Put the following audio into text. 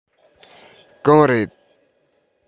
གང རེད